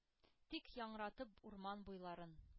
Тик яңратып урман буйларын,